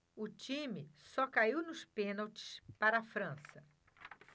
o time só caiu nos pênaltis para a frança